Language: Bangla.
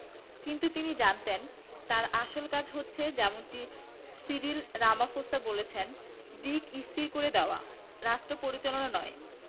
কিন্তু তিনি জানতেন তাঁর আসল কাজ হচ্ছে যেমনটি সিরিল রামাফোসা বলেছেন দিক স্থির করে দেওয়া রাষ্ট্রপরিচালনা নয়